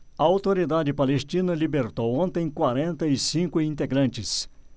a autoridade palestina libertou ontem quarenta e cinco integrantes